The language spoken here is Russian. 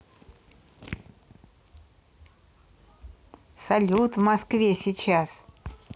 салют в москве сейчас